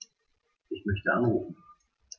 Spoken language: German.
Ich möchte anrufen.